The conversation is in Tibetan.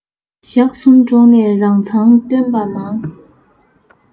ཞག གསུམ འགྲོགས ནས རང མཚང སྟོན པ མང